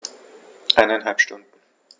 Eineinhalb Stunden